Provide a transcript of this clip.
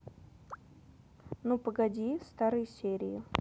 ну погоди старые серии